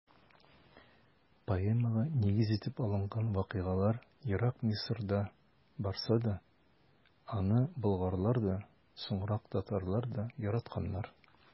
Поэмага нигез итеп алынган вакыйгалар ерак Мисырда барса да, аны болгарлар да, соңрак татарлар да яратканнар.